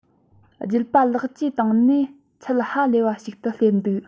རྒྱུད པ ལེགས བཅོས བཏང ནས ཚད ཧ ལས པ ཞིག ཏུ སླེབས འདུག